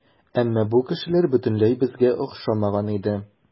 Әмма бу кешеләр бөтенләй безгә охшамаган иде.